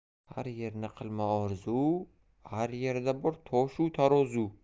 har yerni qilma orzu har yerda bor tosh u tarozi